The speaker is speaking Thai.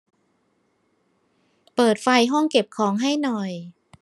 เปิดไฟห้องเก็บของให้หน่อย